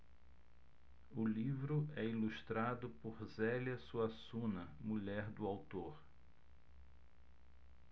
o livro é ilustrado por zélia suassuna mulher do autor